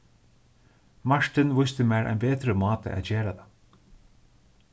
martin vísti mær ein betri máta at gera tað